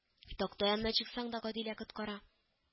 Такта янына чыксаң да, Гадилә коткара